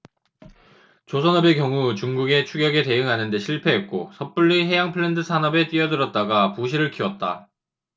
조선업의 경우 중국의 추격에 대응하는 데 실패했고 섣불리 해양플랜트 산업에 뛰어들었다가 부실을 키웠다